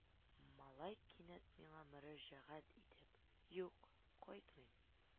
Малай кинәт миңа мөрәҗәгать итеп: – юк, кайтмыйм